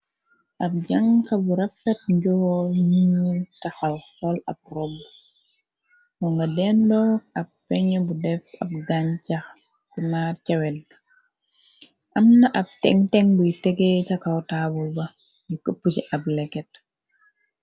Ab janxa bu rafet njoool mu ñyul taxaw sol ab rob mo nga dendoog ab peñ bu def ab gañ ca bu maar cewel amna ab teng-teng buy tegee caxawtaabu ba ñu këpp ci ab leket.